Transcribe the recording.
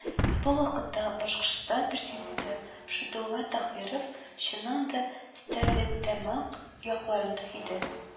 Ә бу вакытта Башкортостан президенты Шәйдулла Таһиров, чыннан да, Стәрлетамак якларында иде